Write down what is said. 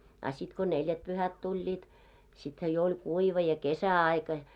a sitten kun neljätpyhät tulivat sittenhän jo oli kuiva ja kesäaika